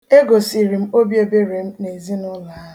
E gosịrị m obiebere m n'ezinụlọ ahụ